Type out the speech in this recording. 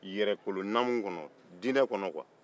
yɛrɛ kolo naamu kɔnɔ diinɛ kɔnɔ kuwa